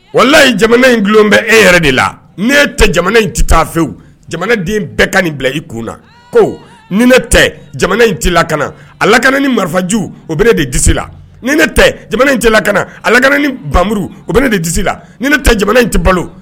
Wala layi jamana in du bɛ e yɛrɛ de la n ye tɛ jamana in tɛ taafewu jamanaden bɛɛ ka nin bila i kun na ko ni ne tɛ jamana in tɛ lakana lakana ni marifaju o bɛ ne de di la ni ne tɛ jamana in tɛ lakana akana ni npmuru o bɛ ne de di la ni ne tɛ jamana in tɛ balo